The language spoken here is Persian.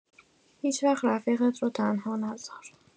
هیچ‌وقت رفیقت رو تنها نذار